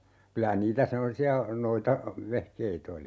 kyllä niitä semmoisia - noitavehkeitä oli